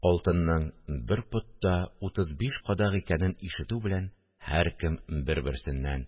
Алтынның бер пот та утыз биш кадак икәнен ишетү белән, һәркем бер-берсеннән